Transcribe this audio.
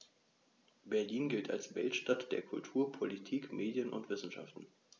Berlin gilt als Weltstadt der Kultur, Politik, Medien und Wissenschaften.